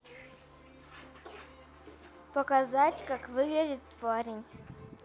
показать как выглядит парень